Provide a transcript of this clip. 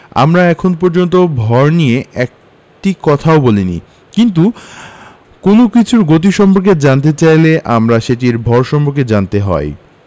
আমরা এখন পর্যন্ত ভর নিয়ে একটি কথাও বলিনি কিন্তু কোনো কিছুর গতি সম্পর্কে জানতে চাইলে আমাদের সেটির ভর সম্পর্কে জানতে হয়